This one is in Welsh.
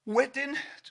Wedyn